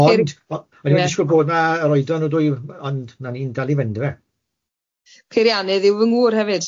Ond o'n i'm yn dishgwl bod 'ma yr oedran yr ydw i ond 'na ni'n dal i fynd yndyfe. Peiriannydd yw fy ngŵr hefyd.